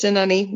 Dyna ni.